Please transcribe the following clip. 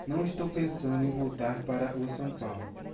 não estou pensando em voltar para o são paulo